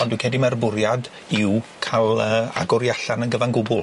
Ond dwi'n credu mai'r bwriad yw ca'l yy agor 'i allan yn gyfan gwbwl.